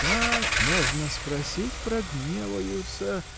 — Как можно спросить: прогневаются!